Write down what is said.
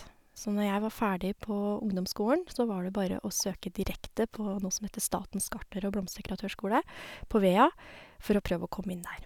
Så når jeg var ferdig på ungdomsskolen, så var det bare å søke direkte på noe som heter Statens gartner- og blomsterdekoratørskole, på Vea, for å prøve å komme inn der.